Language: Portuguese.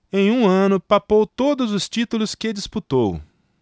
em um ano papou todos os títulos que disputou